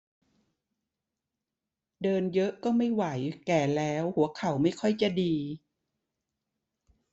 เดินเยอะก็ไม่ไหวแก่แล้วหัวเข่าไม่ค่อยจะดี